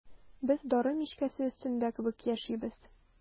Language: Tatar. Без дары мичкәсе өстендә кебек яшибез.